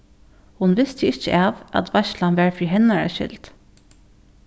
hon visti ikki av at veitslan var fyri hennara skyld